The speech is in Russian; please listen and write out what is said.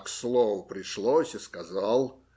- К слову пришлось, и сказал.